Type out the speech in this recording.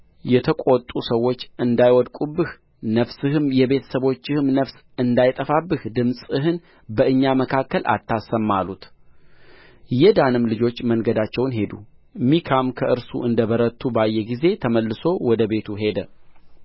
የተቈጡ ሰዎች እንዳይወድቁብህ ነፍስህም የቤተ ሰቦችህም ነፍስ እንዳይጠፋብህ ድምፅህን በእኛ መካከል አታሰማ አሉት የዳንም ልጆች መንገዳቸውን ሄዱ ሚካም ከእርሱ እንደ በረቱ ባየ ጊዜ ተመልሶ ወደ ቤቱ ሄደ